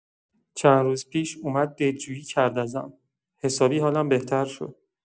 چند روز پیش اومد دلجویی کرد ازم، حسابی حالم بهتر شد.